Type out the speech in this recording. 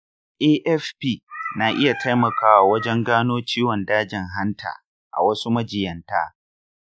afp na iya taimakawa wajen gano ciwon dajin hanta a wasu majinyata.